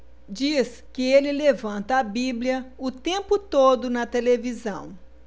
diz que ele levanta a bíblia o tempo todo na televisão